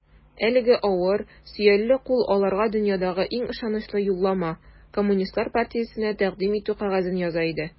Әлеге авыр, сөялле кул аларга дөньядагы иң ышанычлы юллама - Коммунистлар партиясенә тәкъдим итү кәгазен яза иде.